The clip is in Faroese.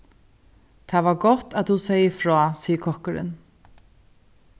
tað var gott at tú segði frá sigur kokkurin